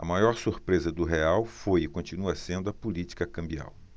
a maior surpresa do real foi e continua sendo a política cambial